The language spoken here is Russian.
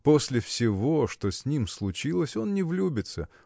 после всего, что с ним случилось, он не влюбится.